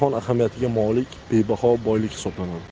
ahamiyatiga molik bebaho boylik hisoblanadi